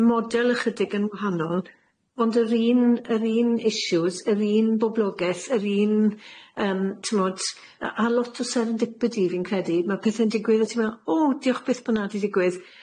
Y model chydig yn wahanol ond yr un yr un ishws yr un boblogeth yr un yym t'mod yy a lot o serendipity fi'n credu ma' pethe'n digwydd a ti me'wl o diolch byth bo 'na di digwydd.